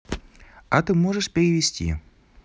а ты можешь перевести